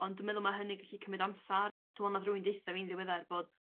Ond dwi meddwl ma' hynny gallu cymryd amsar. Dwi me'wl nath rywun deutha fi'n diweddar bod